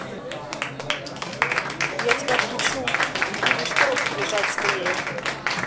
я тебя отключу и будешь в коробке лежат своей